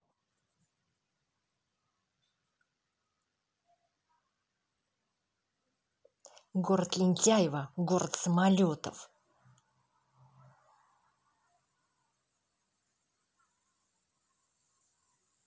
город лентяево город самолетов